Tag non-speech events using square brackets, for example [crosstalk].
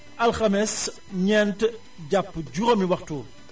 alxames ñent jàpp juróomi waxtu [music]